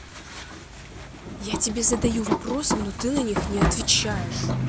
я тебе задаю вопросом но ты на них не отвечаешь